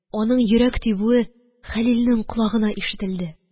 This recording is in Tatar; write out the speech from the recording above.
Аның йөрәк тибүе Хәлилнең колагына ишетелде.